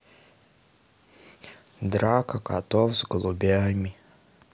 драка котов с голубями